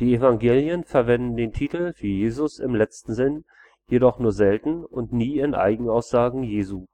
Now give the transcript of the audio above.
Evangelien verwenden den Titel für Jesus im letzten Sinn, jedoch nur selten und nie in Eigenaussagen Jesu.